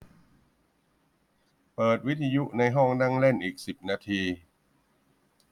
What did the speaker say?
เปิดวิทยุในห้องนั่งเล่นอีกสิบนาที